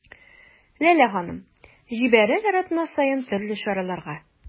Ләлә ханым: җибәрәләр атна-ай саен төрле чараларга.